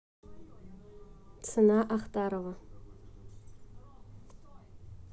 цена ахтарова